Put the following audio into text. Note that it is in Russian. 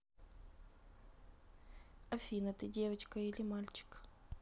афина ты девочка или мальчик